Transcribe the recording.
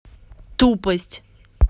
тупость